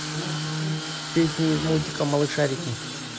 песни из мультика малышарики